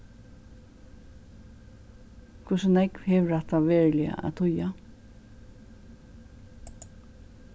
hvussu nógv hevur hatta veruliga at týða